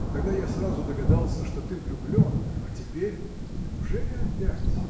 тогда я сразу догадался, что ты влюблен, а теперь. ужели опять?